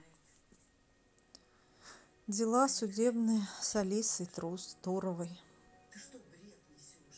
дела судебные с алисой туровой